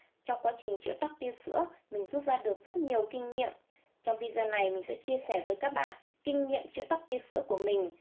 trong quá trình chữa tắc tia sữa mình rút ra được rất nhiều kinh nghiệm trong video này mình sẽ chia sẻ với các bạn kinh nghiệm chữa tắc tia sữa của mình